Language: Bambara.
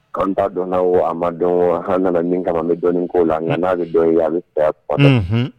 Kɔn dɔnna o a ma dɔn ha nana ni kama bɛ dɔnni ko la nka n'a bɛ dɔn a bɛ taa pa